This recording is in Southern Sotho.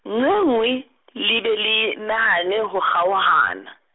nngwe, le be le nahane, ho kgaohana.